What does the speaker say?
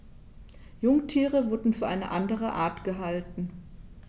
Jungtiere wurden für eine andere Art gehalten.